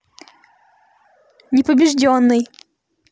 непобежденный